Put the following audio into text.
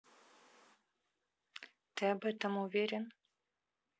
ты об этом уверен